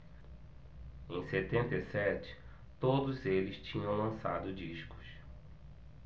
em setenta e sete todos eles tinham lançado discos